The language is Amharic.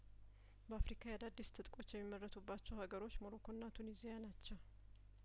በአፍሪካ የአዳዲስ ትጥቆች የሚመረቱባቸው ሀገሮች ሞሮኮና ቱኒዚያ ናቸው